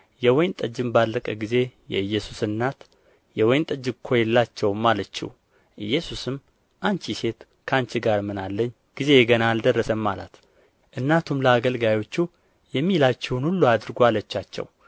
የወይን ጠጅም ባለቀ ጊዜ የኢየሱስ እናት የወይን ጠጅ እኮ የላቸውም አለችው ኢየሱስም አንቺ ሴት ከአንቺ ጋር ምን አለኝ ጊዜዬ ገና አልደረሰም አላት እናቱም ለአገልጋዮቹ የሚላችሁን ሁሉ አድርጉ አለቻቸው